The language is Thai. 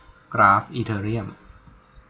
กราฟอีเธอเรียม